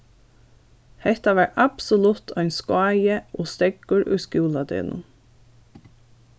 hetta var absolutt ein skái og steðgur í skúladegnum